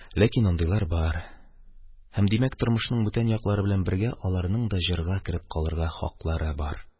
Ләкин андыйлар бар һәм, димәк, тормышның бүтән яклары белән бергә аларның да җырга кереп калырга хаклары бар.